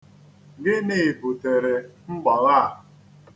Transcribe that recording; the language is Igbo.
Gịnị butere mgbagha a.